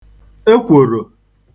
ekwòrò